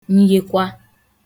nyekwa